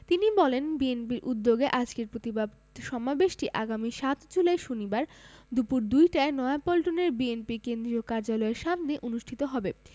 তিনি বলেন বিএনপির উদ্যোগে আজকের প্রতিবাদ সমাবেশটি আগামী ৭ জুলাই শনিবার দুপুর দুইটায় নয়াপল্টনের বিএনপি কেন্দ্রীয় কার্যালয়ের সামনে অনুষ্ঠিত হবে